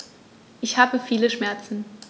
Ich habe viele Schmerzen.